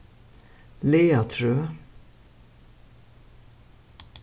lagatrøð